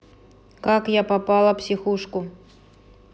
как я попала в психушку